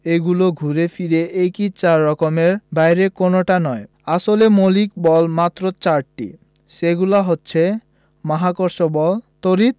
এগুলো ঘুরে ফিরে এই চার রকমের বাইরে কোনোটা নয় আসলে মৌলিক বল মাত্র চারটি সেগুলো হচ্ছে মহাকর্ষ বল তড়িৎ